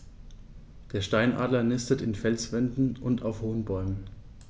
Der Steinadler nistet in Felswänden und auf hohen Bäumen.